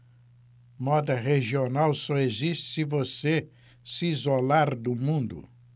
moda regional só existe se você se isolar do mundo